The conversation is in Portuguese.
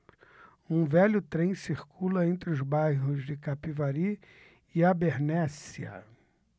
um velho trem circula entre os bairros de capivari e abernéssia